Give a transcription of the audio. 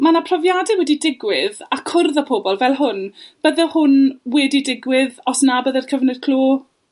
ma' 'na profiade wedi digwydd, a cwrdd â pobol, fel hwn. Bydde hwn wedi digwydd os na bydde'r cyfnod clo